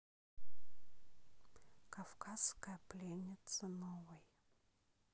кавказская пленница новый